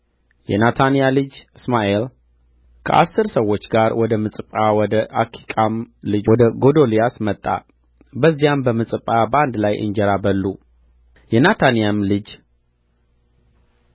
የናታንያ ልጅ እስማኤል ከአሥር ሰዎች ጋር ወደ ምጽጳ ወደ አኪቃም ልጅ ወደ ጎዶልያስ መጣ በዚያም በምጽጳ በአንድ ላይ እንጀራ በሉ የናታንያም ልጅ